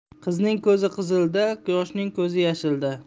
qizning ko'zi qizilda yoshning ko'zi yashilda